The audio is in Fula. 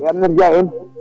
to Aminata Guiya en